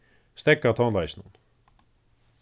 steðga tónleikinum